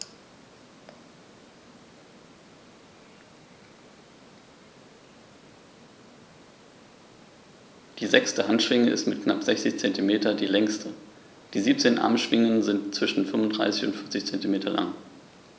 Die sechste Handschwinge ist mit knapp 60 cm die längste. Die 17 Armschwingen sind zwischen 35 und 40 cm lang.